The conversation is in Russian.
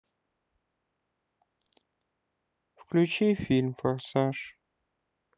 включи фильм форсаж